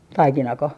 taikinako